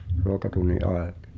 ruokatunnin ajat